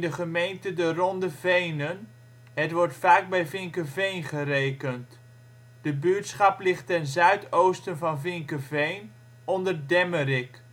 gemeente De Ronde Venen. Het wordt vaak bij Vinkeveen gerekend. De buurtschap ligt ten zuid-oosten van Vinkeveen, onder Demmerik